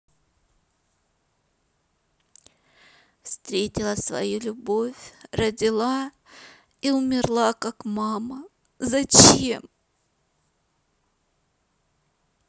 встретила свою любовь родила и умерла как мама зачем